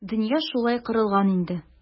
Дөнья шулай корылган инде.